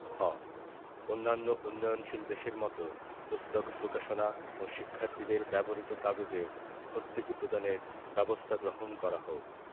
খ অন্যান্য উন্নয়নশীল দেশের মত পুস্তক প্রকাশনা ও শিক্ষার্থীদের ব্যবহৃত কাগজে ভর্তুকি প্রদানের ব্যবস্থা গ্রহণ করা হোক